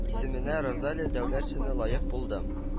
Исеменә розалия дәүләтшина лаек булды